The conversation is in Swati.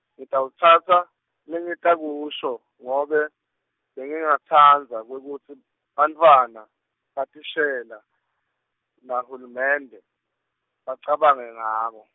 ngitawutsatsa lengitakusho, ngobe, bengingatsandza kwekutsi, bantfwana, bothishela, nahulumende, bacabange ngako.